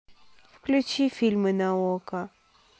включи фильмы на окко